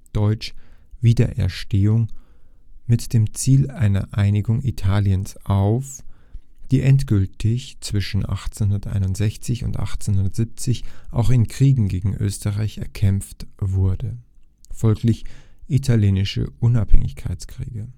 deutsch: Wiedererstehung) mit dem Ziel einer Einigung Italiens auf, die endgültig zwischen 1861 und 1870 auch in Kriegen gegen Österreich erkämpft wurde (vgl. Italienische Unabhängigkeitskriege